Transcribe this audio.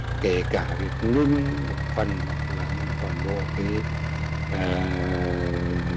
kể cả việc ngưng một phần hoặc là ngưng toàn bộ cái à